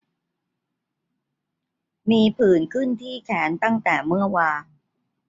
มีผื่นขึ้นที่แขนตั้งแต่เมื่อวาน